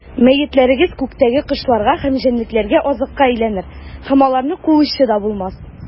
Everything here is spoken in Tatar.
Мәетләрегез күктәге кошларга һәм җәнлекләргә азыкка әйләнер, һәм аларны куучы да булмас.